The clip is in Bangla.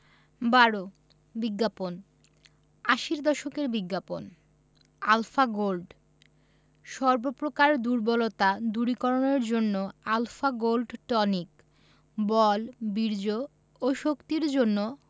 ১২ বিজ্ঞাপন আশির দশকের বিজ্ঞাপন আলফা গোল্ড সর্ব প্রকার দুর্বলতা দূরীকরণের জন্য আল্ ফা গোল্ড টনিক –বল বীর্য ও শক্তির জন্য